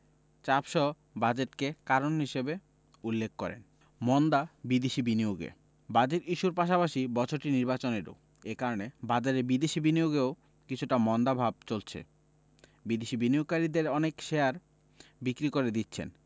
চাপসহ বাজেটকে কারণ হিসেবে উল্লেখ করেন মন্দা বিদেশি বিনিয়োগে বাজেট ইস্যুর পাশাপাশি বছরটি নির্বাচনেরও এ কারণে বাজারে বিদেশি বিনিয়োগেও কিছুটা মন্দাভাব চলছে বিদেশি বিনিয়োগকারীদের অনেক শেয়ার বিক্রি করে দিচ্ছেন